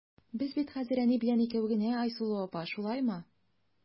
Без бит хәзер әни белән икәү генә, Айсылу апа, шулаймы?